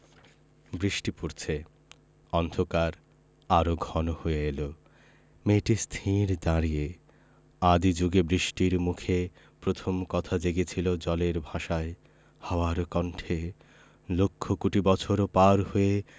বৃষ্টি পরছে অন্ধকার আরো ঘন হয়ে এল মেয়েটি স্থির দাঁড়িয়ে আদি জুগে সৃষ্টির মুখে প্রথম কথা জেগেছিল জলের ভাষায় হাওয়ার কণ্ঠে লক্ষ কোটি বছর পার হয়ে